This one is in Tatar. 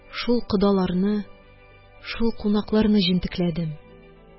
Шул кодаларны, шул кунакларны җентекләдем.